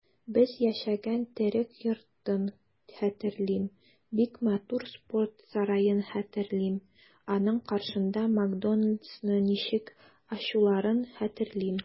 Без яшәгән төрек йортын хәтерлим, бик матур спорт сараен хәтерлим, аның каршында "Макдоналдс"ны ничек ачуларын хәтерлим.